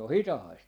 se on hitaista